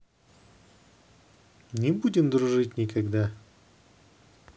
не будем дружить никогда